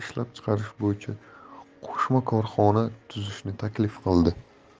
ishlab chiqarish bo'yicha qo'shma korxona tuzishni taklif qildi